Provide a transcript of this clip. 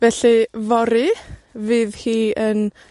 Felly, fory fydd hi yn